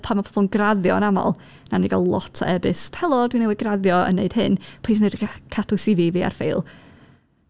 Pan ma' pobl yn graddio yn aml, wnawn ni gael lot o e-byst "Helo, dwi newydd graddio yn wneud hyn, plis wnewch chi ca- cadw CV fi ar ffeil?"